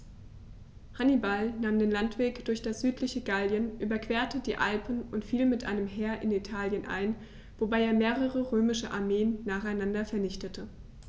Hannibal nahm den Landweg durch das südliche Gallien, überquerte die Alpen und fiel mit einem Heer in Italien ein, wobei er mehrere römische Armeen nacheinander vernichtete.